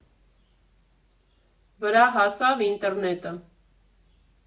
Վրա հասավ ինտերնետը.